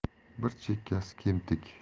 bir chekkasi kemtik